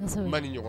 Ufu' ma nin ɲɔgɔn